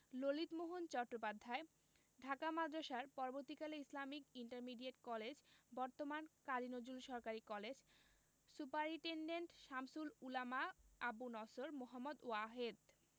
ললিতমোহন চট্টোপাধ্যায় ঢাকা মাদ্রাসার পরবর্তীকালে Islamic intermediate college বর্তমান কবি নজরুল সরকারি কলেজ সুপারিন্টেন্ডেন্ট শামসুল উলামা আবু নসর মুহম্মদ ওয়াহেদ